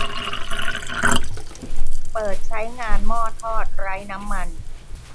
เปิดใช้งานหม้อทอดไร้น้ำมัน